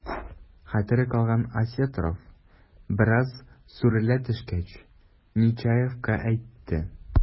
Хәтере калган Осетров, бераз сүрелә төшкәч, Нечаевка әйтте: